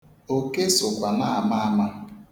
Oke sokwa na-ama ama.